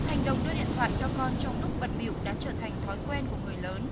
hành động đưa điện thoại cho con trong lúc bận bịu đã trở thành thói quen của người lớn